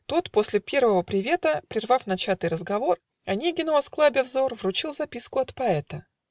Тот после первого привета, Прервав начатый разговор, Онегину, осклабя взор, Вручил записку от поэта.